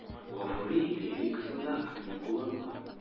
Гафури лирикасында актив кулланыла.